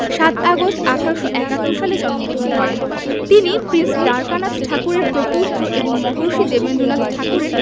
৭ August ১৮৭১ সালে জন্মগ্রহণ করেন তিনি প্রিন্স দ্বারকানাথ ঠাকুরের প্রপৌত্র এবং মহর্ষি দেবেন্দ্রনাথ ঠাকুরের